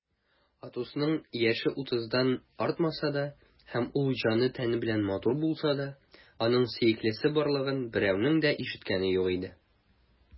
Атосның яше утыздан артмаса да һәм ул җаны-тәне белән матур булса да, аның сөеклесе барлыгын берәүнең дә ишеткәне юк иде.